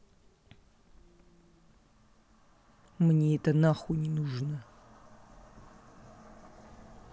мне это нахуй не нужно